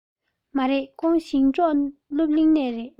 མ རེད ཁོང ཞིང འབྲོག སློབ གླིང ནས རེད